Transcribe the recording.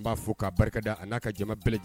N b'a fo k'a barikada an'a ka jama bɛɛ laj